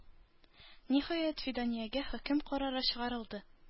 Ниһаять, Фиданиягә хөкем карары чыгарылды.